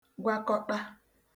gwakọṭa